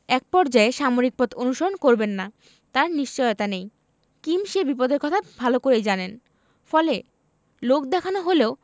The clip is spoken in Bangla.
একপর্যায়ে সামরিক পথ অনুসরণ করবেন না তার নিশ্চয়তা নেই কিম সে বিপদের কথা ভালো করেই জানেন ফলে লোকদেখানো হলেও